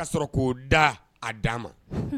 Ka sɔrɔ ko da a dan ma.